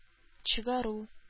Чыгару